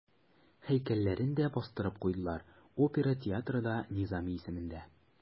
Һәйкәлләрен дә бастырып куйдылар, опера театры да Низами исемендә.